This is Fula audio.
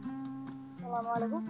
salamale kum